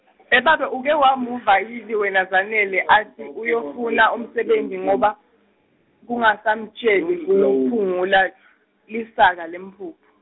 yebabe uke wamuva yini wena Zanele atsi uyofuna umsebenti ngoba, kungasamtjeli kuphungula , lisaka lemphuphu.